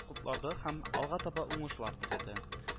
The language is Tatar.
Котлады һәм алга таба уңышлар теләде